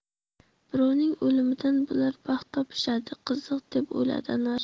birovning o'limidan bular baxt topishadi qiziq deb o'yladi anvar